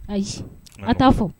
Ayi . An ta fɔ.